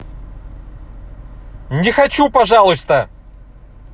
не хочу пожалуйста